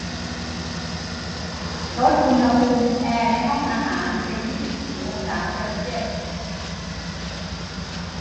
ลดอุณหภูมิแอร์ในห้องอาหารเป็นยี่สิบสี่องศาเซลเซียส